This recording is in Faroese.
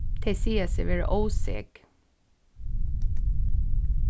tey siga seg vera ósek